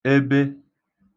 ebe